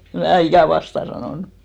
en minä ikinä vastaan sanonut